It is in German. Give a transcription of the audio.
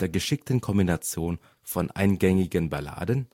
geschickten Kombination von eingängigen Balladen